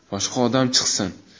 boshqa odam chiqsin